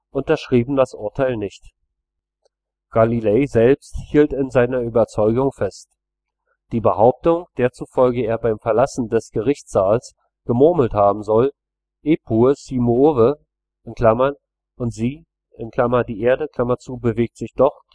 unterschrieben das Urteil nicht. Galilei selbst hielt an seiner Überzeugung fest. Die Behauptung, der zufolge er beim Verlassen des Gerichtssaals gemurmelt haben soll, „ Eppur si muove “(und sie [die Erde] bewegt sich doch